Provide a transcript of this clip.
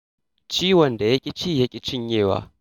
Ciwon da ya-ƙi-ci-ya-ƙi-cinyewa